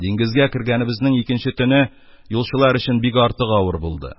Диңгезгә кергәнебезнең икенче төне юлчылар өчен бик артык авыр булды.